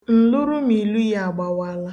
Nlurumilu ya agbawaala